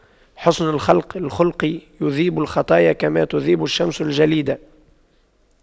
حُسْنُ الخلق يذيب الخطايا كما تذيب الشمس الجليد